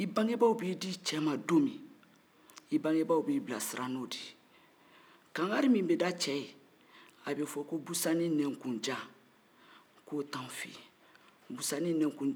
i bangebaaw b'i bilasira n'o de ye kangari min bɛ da cɛ ye a bɛ fɔ ko busanni nɛnkunjan k'o t'an fɛ yen busanni nɛnkunjan ye mun ye